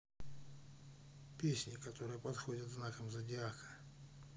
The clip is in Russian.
песни которые подходят знакам зодиака